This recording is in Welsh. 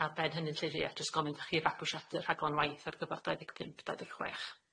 A'r ben hynnyn lly fi a jys gomyn dych chi fabwysiadu rhaglan waith ar gyfar dau ddeg pump dau ddeg chwech.